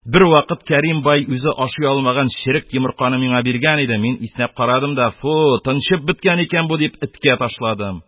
Бервакыт Кәрим бай үзе ашый алмаган черек йомырканы миңа биргән иде, мин иснәп карадым да: Фу, тынчып беткән икән бу! - дип, эткә ташладым.